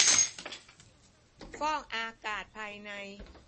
ฟอกอากาศภายใน